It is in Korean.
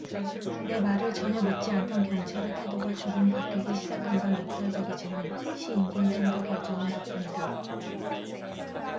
내 말을 전혀 믿지 않던 경찰의 태도가 조금 바뀌기 시작한 건 역설적이지만 시 인권센터 결정문 덕분이다